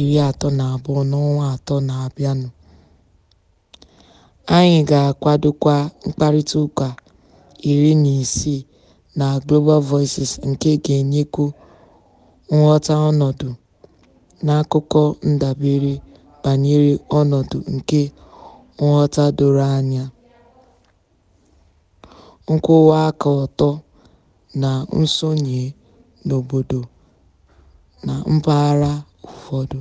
iri atọ na abụọ n'ọnwa atọ na-abịa nụ, anyị ga-akwadokwa mkparịtaụka iri na isii na Global Voices nke ga-enyekwu nghọta ọnọdụ na akụkọ ndabere banyere ọnọdụ nke nghọta doro anya, nkwụwa aka ọtọ na nsonye n'obodo na mpaghara ụfọdụ.